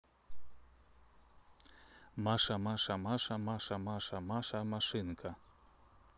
маша маша маша маша маша маша машинка